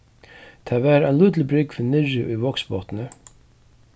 tað var ein lítil brúgv niðri í vágsbotni